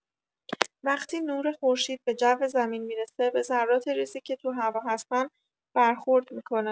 وقتی نور خورشید به جو زمین می‌رسه، به ذرات ریزی که تو هوا هستن برخورد می‌کنه.